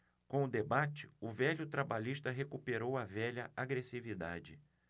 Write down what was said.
com o debate o velho trabalhista recuperou a velha agressividade